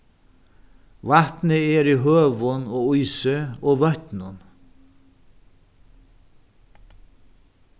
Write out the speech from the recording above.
vatnið er í høvum og ísi og vøtnum